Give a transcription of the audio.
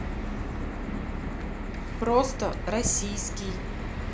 просто российский